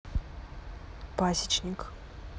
пасечник